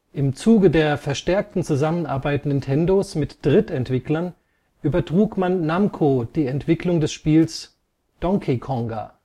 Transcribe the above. Im Zuge der verstärkten Zusammenarbeit Nintendos mit Drittentwicklern übertrug man Namco die Entwicklung des Spiels Donkey Konga